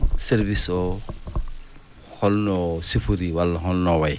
service o holno sifori walla holno o wayi